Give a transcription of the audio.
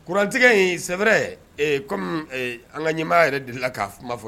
Kurantigɛ in sɛɛrɛ kɔmi an ka ɲɛmaa yɛrɛ de la k'a kuma fɔ